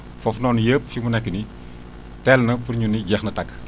foofu noonu yëpp fi mu nekk nii teel na pour ñu ni jeex na takk